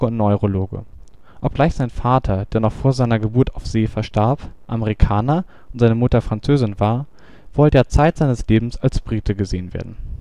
Neurologe. Obgleich sein Vater, der noch vor seiner Geburt auf See verstarb, Amerikaner und seine Mutter Französin war, wollte er Zeit seines Lebens als Brite gesehen werden